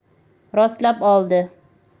rostlab oldi